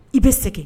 I bɛ segɛn